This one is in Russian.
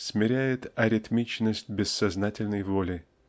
смиряет аритмичность бессознательной воли.